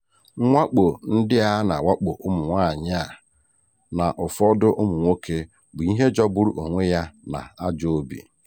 Mwakpo ndị a na-awakpo ụmụnwaanyị a (na ụfọdụ ụmụ nwoke) bụ ihe jọgburu onwe ya na ajọọ obi.